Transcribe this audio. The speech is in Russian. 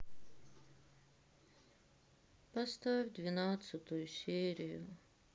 поставь двенадцатую серию